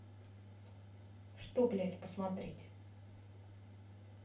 что блядь посмотреть